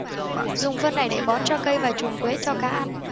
dùng phân này để bón cho cây và trùn quế cho cá ăn